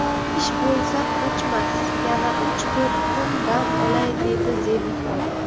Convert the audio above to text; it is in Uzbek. ish bo'lsa qochmas yana uch to'rt kun dam olay dedi zelixon